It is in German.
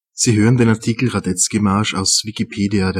Sie hören den Artikel Radetzky-Marsch, aus Wikipedia